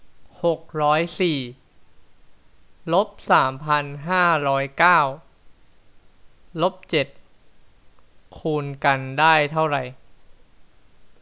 หกร้อยสี่ลบสามพันห้าร้อยเก้าลบเจ็ดคูณกันได้เท่าไหร่